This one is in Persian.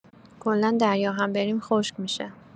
کلا دریا هم بریم خشک می‌شه